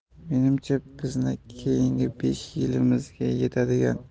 menimcha bizni keyingi besh yilligimizga yetadigan